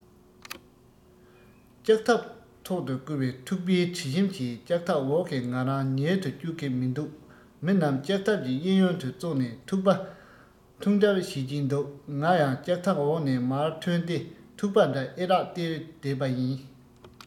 ལྕགས ཐབ ཐོག ཏུ བསྐོལ བའི ཐུག པའི དྲི ཞིམ གྱིས ལྕགས ཐབ འོག གི ང རང ཉལ དུ བཅུག གི མི འདུག མི རྣམས ལྕགས ཐབ ཀྱི གཡས གཡོན དུ ཙོག ནས ཐུག པ འཐུང གྲབས བྱེད ཀྱིན འདུག ང ཡང ལྕགས ཐབ འོག ནས མར ཐོན ཏེ ཐུག པ འདྲ ཨེ རག བལྟས བསྡད པ ཡིན